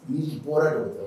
N bɔra don